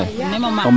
meme o maak